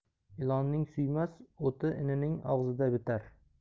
ilonning suymas o'ti inining og'zida bitar